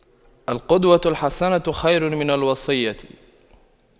القدوة الحسنة خير من الوصية